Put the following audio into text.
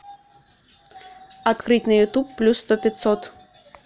открыть на ютуб плюс сто пятьсот